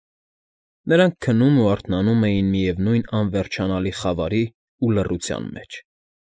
Նրանք քնում ու արթնանում էին միևնույն անվերջանալի խավարի ու լռության մեջ։